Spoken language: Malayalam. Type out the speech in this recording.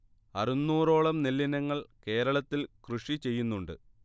അറുന്നൂറോളം നെല്ലിനങ്ങൾ കേരളത്തിൽ കൃഷിചെയ്യുന്നുണ്ട്